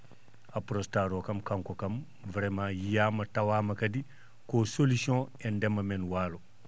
prono (apronstar ) o kanko kam vraiment yiyaama tawaama kadi ko solution e ndema men waalo